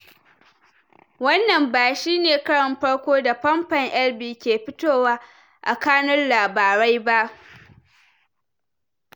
wannan ba shi ne Karon farko da famfo Elvie ke fitowa a kannun labarai ba.